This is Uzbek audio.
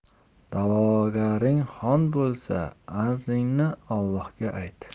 da'vogaring xon bo'lsa arzingni olloga ayt